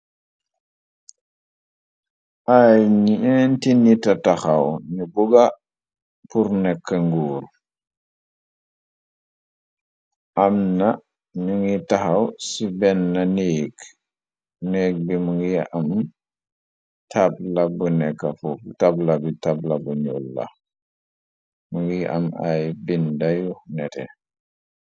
ay ninti nita taxaw nu buga pur nekk nguur am na nu ngi taxaw ci benna niig nekk bi mu ngiy am bn tabla bi tabla bu nul la mu ngiy am ay bindayu nete